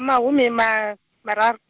mahumi ma-, mararu.